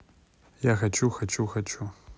я хочу хочу хочу